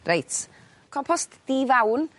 Reit compost di fawn